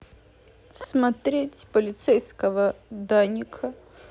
смотреть полицейского даника